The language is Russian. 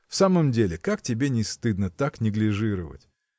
В самом деле, как тебе не стыдно так неглижировать?